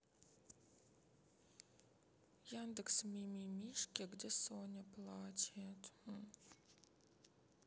яндекс мимимишки где соня плачет